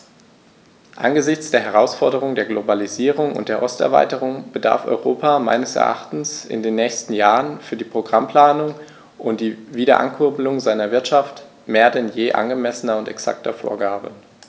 Angesichts der Herausforderung der Globalisierung und der Osterweiterung bedarf Europa meines Erachtens in den nächsten Jahren für die Programmplanung und die Wiederankurbelung seiner Wirtschaft mehr denn je angemessener und exakter Vorgaben.